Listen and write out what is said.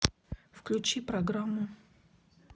включи программу